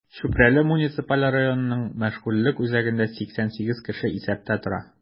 Чүпрәле муниципаль районының мәшгульлек үзәгендә 88 кеше исәптә тора.